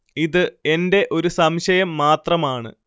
ഇത് എന്റെ ഒരു സംശയം മാത്രമാണ്